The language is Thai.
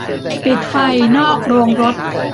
ปิดไฟนอกโรงรถ